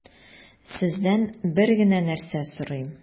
Сездән бер генә нәрсә сорыйм: